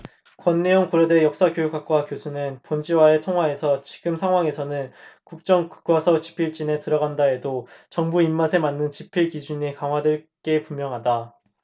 권내현 고려대 역사교육학과 교수는 본지와의 통화에서 지금 상황에서는 국정교과서 집필진에 들어간다 해도 정부 입맛에 맞는 집필 기준이 강화될 게 분명하다